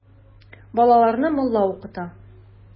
Балаларны мулла укыта.